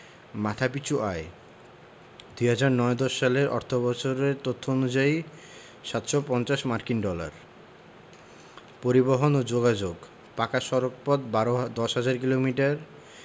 মাথাপিছু আয়ঃ ২০০৯ ১০ অর্থবছরের তথ্য অনুসারে ৭৫০ মার্কিন ডলার পরিবহণ ও যোগাযোগঃ পাকা সড়কপথ ১০হাজার কিলোমিটার